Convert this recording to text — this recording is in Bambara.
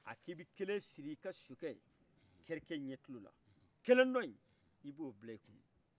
a k'i bi kelen siri ika sokɛ kɛrɛkɛ ɲɛ kulola kelen dɔn in ibo bla i loun